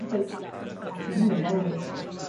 ...achos t'od ma' hyn yn newydd.